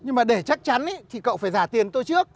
nhưng mà để chắc chắn ý thì cậu phải giả tiền tôi trước